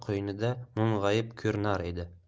qo'ynida mung'ayib ko'rinar edi